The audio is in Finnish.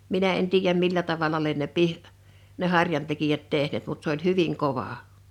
minä en tiedä millä tavalla lie ne - ne harjantekijät tehneet mutta se oli hyvin kova